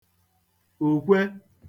ukwe